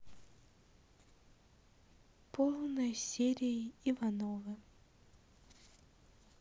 полная серия ивановы